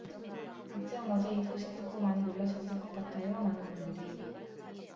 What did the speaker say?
박재홍 어제 이 소식 듣고 많이 놀라셨을 것 같아요 많은 분들이